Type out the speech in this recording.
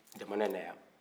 jamanayin na yan